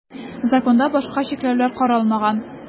Законда башка чикләүләр каралмаган.